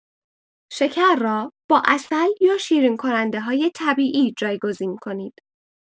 شکر را با عسل یا شیرین‌کننده‌های طبیعی جایگزین کنید.